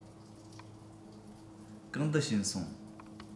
གང དུ ཕྱིན སོང